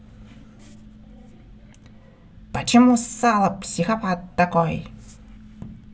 почему сало психопат такой